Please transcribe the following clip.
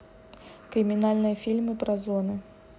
криминальные фильмы про зоны